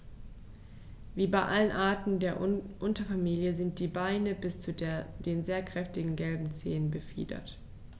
Wie bei allen Arten der Unterfamilie sind die Beine bis zu den sehr kräftigen gelben Zehen befiedert.